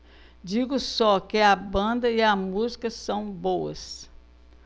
digo só que a banda e a música são boas